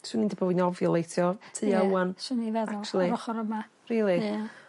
Swn i 'di bod ofiwlatio tua ŵan. Swn i'n feddwl. Actually. Yr ochor yma. Rili? Ie.